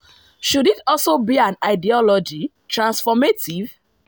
Should it also be an ideology, transformative?